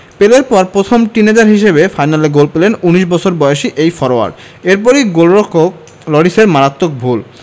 পেলের পর প্রথম টিনএজার হিসেবে ফাইনালে গোল পেলেন ১৯ বছর বয়সী এই ফরোয়ার্ড এরপরই গোলরক্ষক লরিসের মারাত্মক ভুল